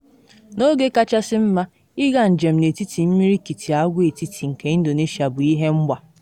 N’oge kachasị mma, ịga njem n’etiti imirikiti agwaetiti nke Indonesia bụ ihe mgba.